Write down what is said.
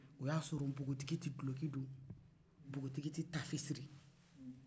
o y'a sɔrɔ npogotigi tɛ duloki don npogotigi tɛ taafe siri